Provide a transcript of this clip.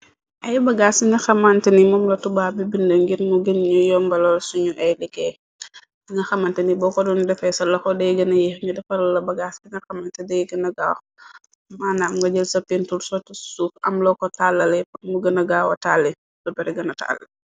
Ay bagaas ci nga xamante ni moomla tubaa bi bind ngir mu gën ñu yombalool suñu ay liggéey dinga xamante ni bo ko duñu defee sa loxo dey gëna yiix ngi dafarala bagaas bi na xamante day gëna ga maanaam nga jël sa pintur sootu suuf am lo ko tàllale pr mu gëna gaawa talli lu ber gëna talli.